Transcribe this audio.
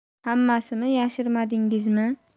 hammasimi yashirmadingizmi